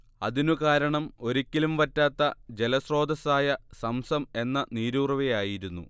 അതിനു കാരണം ഒരിക്കലും വറ്റാത്ത ജലസ്രോതസ്സായ സംസം എന്ന നീരുറവയായിരുന്നു